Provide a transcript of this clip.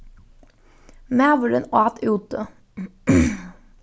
maðurin át úti